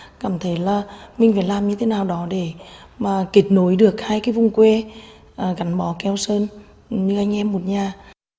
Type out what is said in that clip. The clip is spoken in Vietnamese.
cảm thấy là mình phải làm như thế nào đó để mà kết nối được hai cái vùng quê gắn bó keo sơn như anh em một nhà